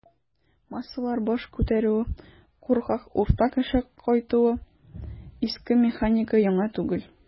"массалар баш күтәрүе", куркак "урта кеше" кайтуы - иске механика, яңа түгел.